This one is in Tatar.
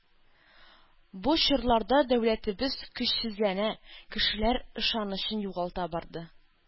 Бу чорларда дәүләтебез көчсезләнә, кешеләр ышанычын югалта барды.